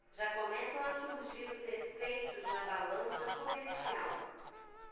já começam a surgir os efeitos na balança comercial